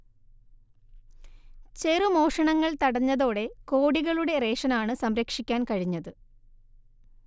ചെറുമോഷണങ്ങൾ തടഞ്ഞതോടെ കോടികളുടെ റേഷനാണ് സംരക്ഷിക്കാൻ കഴിഞ്ഞത്